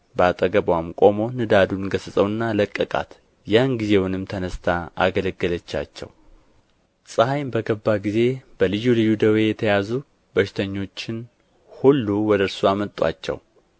በአጠገብዋም ቆሞ ንዳዱን ገሠጸውና ለቀቃት ያንጊዜውንም ተነሥታ አገለገለቻቸው ፀሐይም በገባ ጊዜ በልዩ ልዩ ደዌ የተያዙ በሽተኞችን ሁሉ ወደ እርሱ አመጡአቸው